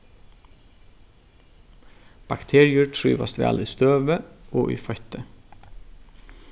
bakteriur trívast væl í støvi og í feitti